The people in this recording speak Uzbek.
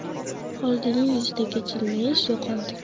xolidiyning yuzidagi jilmayish yo'qoldi